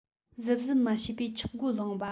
གཟབ གཟབ མ བྱས པས ཆགས སྒོ བསླངས པ